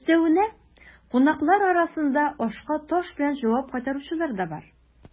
Өстәвенә, кунаклар арасында ашка таш белән җавап кайтаручылар да бар.